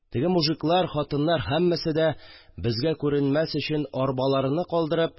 Теге мужиклар, хатыннар һәммәсе дә, безгә күренмәс өчен, арбаларыны калдырып